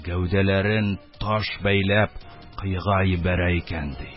Гәүдәләрен, таш бәйләп, коега йибәрә икән, ди...